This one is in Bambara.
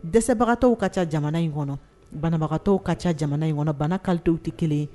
Dɛsɛbagatɔ ka ca jamana in kɔnɔ banabagatɔ ka ca jamana in kɔnɔ bana kalodenw tɛ kelen